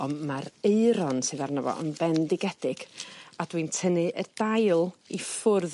On' ma'r aeron sydd arno fo yn bendigedig a dwi'n tynnu y dail i ffwrdd